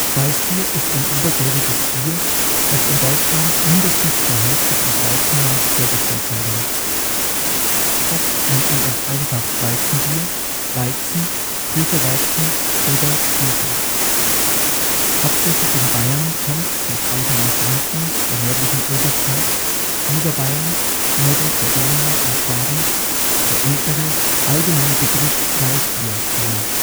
Weißbier ist ein obergäriges Bier, das in Deutschland mindestens zur Hälfte aus Weizenmalz hergestellt sein muss. Oft nennt man es einfach „ Weizenbier “,„ Weizen “,„ Hefeweizen “oder „ Hefe “. Hauptsächlich in Bayern kommt – mit Ausnahme Frankens, der nördlichen Oberpfalz, Niederbayerns nördlich der Donau und Schwabens – der ältere, allgemeine Begriff Weißbier vor